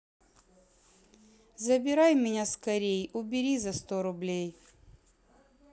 забирай меня скорей убери за сто рублей